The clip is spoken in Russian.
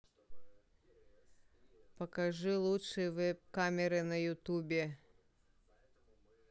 покажи лучшие веб камеры на ютубе